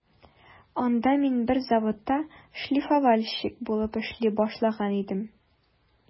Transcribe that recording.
Анда мин бер заводта шлифовальщик булып эшли башлаган идем.